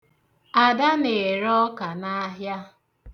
Ada na-ere ọka n'ahịa.